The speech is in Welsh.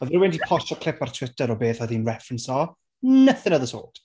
Roedd rywun 'di postio clip ar Twitter o beth oedd hi'n reffrynso, nothing of the sort.